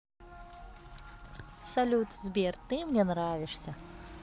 салют сбер ты мне нравишься